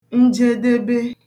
njedebe